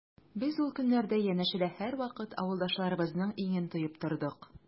Без ул көннәрдә янәшәдә һәрвакыт авылдашларыбызның иңен тоеп тордык.